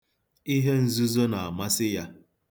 Ihe nzuzo na-amasị ya.